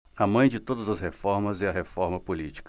a mãe de todas as reformas é a reforma política